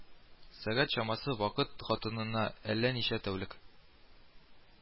Сәгать чамасы вакыт хатынына әллә ничә тәүлек